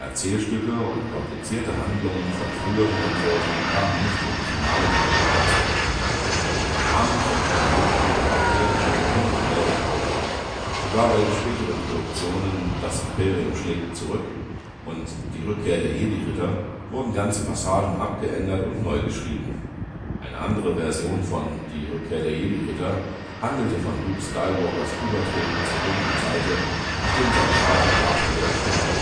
Erzählstücke und komplizierte Handlungen von früheren Entwürfen kamen nicht in die finale Drehbuchversion. Namen von Planeten und Charakteren wurden hin - und hergetauscht. Sogar bei den späteren Produktionen Das Imperium schlägt zurück und Die Rückkehr der Jedi-Ritter wurden ganze Passagen abgeändert und neu geschrieben. Eine andere Version von Die Rückkehr der Jedi-Ritter handelte von Luke Skywalkers Übertreten zur dunklen Seite, nachdem sein Vater Darth Vader starb